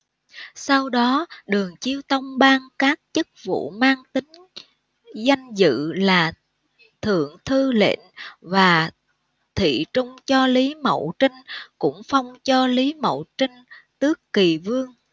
sau đó đường chiêu tông ban các chức vụ mang tính danh dự là thượng thư lệnh và thị trung cho lý mậu trinh cũng phong cho lý mậu trinh tước kỳ vương